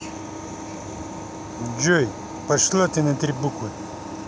джой пошла на три буквы